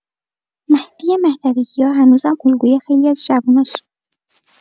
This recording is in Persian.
مهدی مهدوی‌کیا هنوزم الگوی خیلی از جووناس.